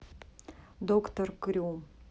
доктор крю